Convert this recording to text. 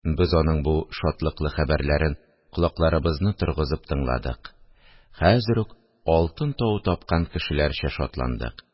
Без аның бу шатлыклы хәбәрләрен колакларыбызны торгызып тыңладык, хәзер үк «алтын тавы» тапкан кешеләрчә шатландык